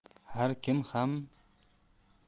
har kim ham chaqilar